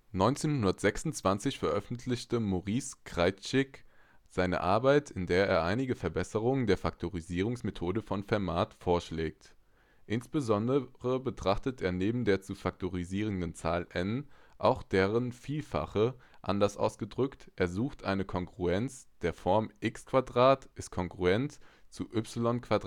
1926 veröffentlichte Maurice Kraitchik eine Arbeit, in der er einige Verbesserungen der Faktorisierungsmethode von Fermat vorschlägt. Insbesondere betrachtet er neben der zu faktorisierenden Zahl n auch deren Vielfache, anders ausgedrückt, er sucht eine Kongruenz der Form x2 ≡ y2